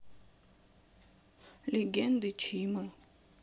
легенды чимы